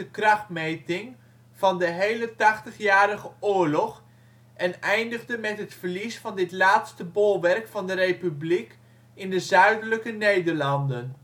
krachtmeting van de hele Tachtigjarige Oorlog en eindigde met het verlies van dit laatste bolwerk van de Republiek in de Zuidelijke Nederlanden